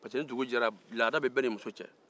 pariseke ni dugu jɛra laada bɛ bɛɛ n'i muso cɛ